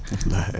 wallaahi